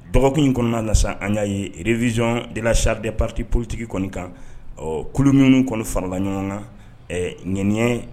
Dɔgɔkun in kɔnɔna na an y'a ye re vizyon dela sari de parite potigi kɔni kan kolo minnu kɔnɔ farala ɲɔgɔn na ɲani